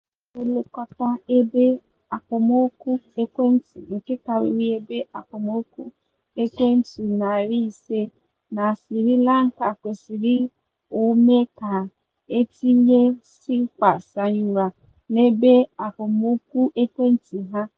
Onye ọbụla na-elekọta ebe akpomuoku ekwentị nke karịrị ebe akpomuoku ekwentị 500 na Sri Lanka kwesịrị o mee ka etinye Shilpa Sayura n'ebe akpomuoku ekwentị ha.